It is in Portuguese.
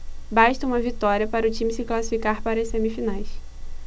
basta uma vitória para o time se classificar para as semifinais